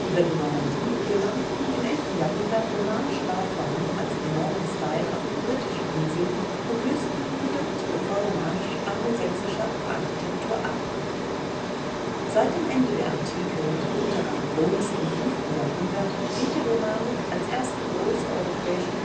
Über die Normandie gelangten im 11. Jahrhundert romanische Bauformen als Norman Style auf die britischen Inseln und lösten die dortige vorromanische Angelsächsische Architektur ab. Seit dem Ende der Antike mit dem Untergang Roms im 5. Jahrhundert gilt die Romanik als erste große europäische